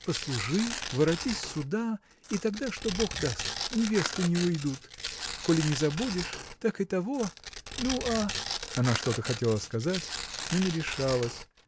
Послужи, воротись сюда, и тогда что бог даст; невесты не уйдут! Коли не забудешь, так и того. Ну, а. Она что-то хотела сказать но не решалась